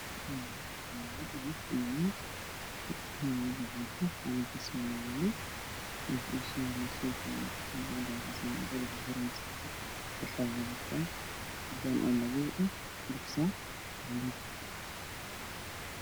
Meshaan waxaa ku yaalo guri guriga darbigiisu waa buluug